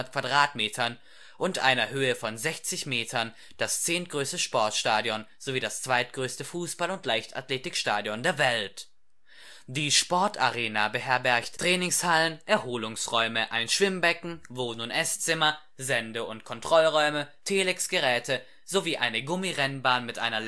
Quadratmetern und einer Höhe von 60 Metern das zehntgrößte Sportstadion sowie das zweitgrößte Fußball - und Leichtathletikstadion der Welt. Die Sportarena beherbergt Trainingshallen, Erholungsräume, ein Schwimmbecken, Wohn - und Esszimmer, Sende - und Kontrollräume, Telex-Geräte sowie eine Gummirennbahn mit einer